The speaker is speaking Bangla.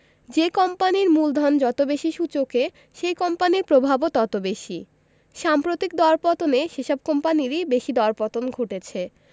যে কোম্পানির মূলধন যত বেশি সূচকে সেই কোম্পানির প্রভাবও তত বেশি সাম্প্রতিক দরপতনে সেসব কোম্পানিরই বেশি দরপতন ঘটেছে